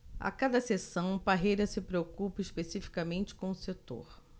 a cada sessão parreira se preocupa especificamente com um setor